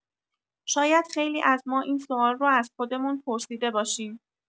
شاید خیلی از ما این سوال رو از خودمون پرسیده باشیم.